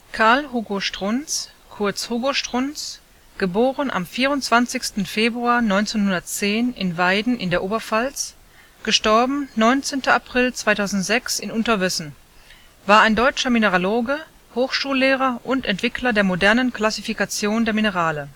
Karl Hugo Strunz, kurz Hugo Strunz (* 24. Februar 1910 in Weiden in der Oberpfalz; † 19. April 2006 in Unterwössen), war ein deutscher Mineraloge, Hochschullehrer und Entwickler der modernen Klassifikation der Minerale